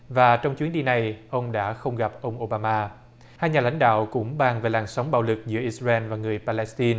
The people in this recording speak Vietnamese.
và trong chuyến đi này ông đã không gặp ông obama hai nhà lãnh đạo cũng bàn về làn sóng bạo lực giữa israel và người pa la tin